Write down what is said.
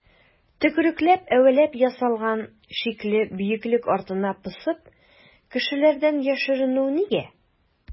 Төкерекләп-әвәләп ясалган шикле бөеклек артына посып кешеләрдән яшеренү нигә?